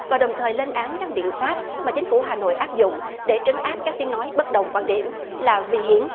và đồng thời lên án các biện pháp mà chính phủ hà nội áp dụng để trấn áp các tiếng nói bất đồng quan điểm là vi hiến